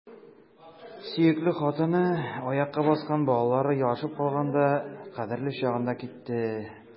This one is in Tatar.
Сөекле хатыны, аякка баскан балалары елашып калганда — кадерле чагында китте!